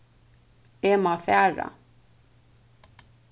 eg má fara